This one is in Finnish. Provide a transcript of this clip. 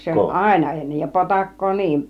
se oli aina ennen ja potakkaa niin